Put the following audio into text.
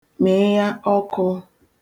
mịịya ọkụ̀